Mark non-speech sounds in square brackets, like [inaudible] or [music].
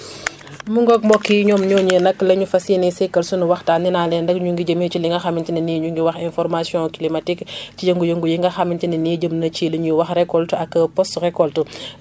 [breath] [noise] mu ngoog mbokk yi ñoom [noise] ñooñee nag la ñu fas yéenee sekkal sunu waxtaan nee naa leen rek ñu ngi jëmee ci li nga xamante ne nii ñu ngi wax information climatique [breath] ci yëngu-yëngu yi nga xamante ne nii jëm na ci li ñuy wax récolte ak post récolte [breath]